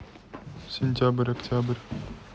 сентябрь октябрь